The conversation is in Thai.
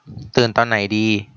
ตื่นตอนไหนดี